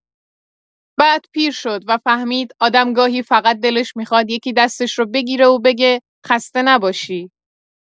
بعد پیر شد و فهمید آدم گاهی فقط دلش می‌خواد یکی دستش رو بگیره و بگه: خسته نباشی.